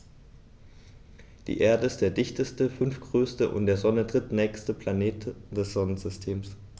Die Erde ist der dichteste, fünftgrößte und der Sonne drittnächste Planet des Sonnensystems.